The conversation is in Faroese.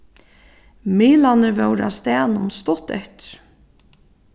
miðlarnir vóru á staðnum stutt eftir